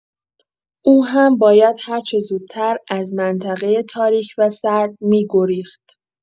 او هم باید هرچه زودتر از منطقه تاریک و سرد می‌گریخت.